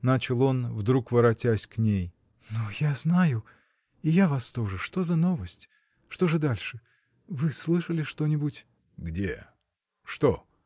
— начал он, вдруг воротясь к ней. — Ну, я знаю. И я вас тоже. что за новость! Что же дальше?. Вы. слышали что-нибудь. — Где? что?